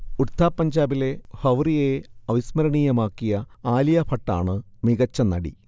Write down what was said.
ഉഡ്താ പഞ്ചാബിലെ ഭൗറിയയെ അവിസ്മരണീയമാക്കിയ ആലിയ ഭട്ടാണ് മികച്ച നടി